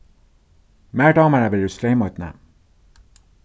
mær dámar at vera í streymoynni